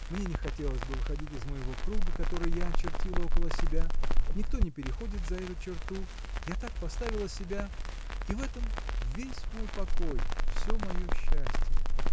Мне не хотелось бы выходить из моего круга, который я очертила около себя: никто не переходит за эту черту, я так поставила себя, и в этом весь мой покой, всё мое счастие.